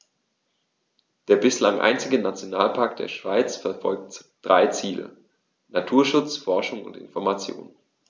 Der bislang einzige Nationalpark der Schweiz verfolgt drei Ziele: Naturschutz, Forschung und Information.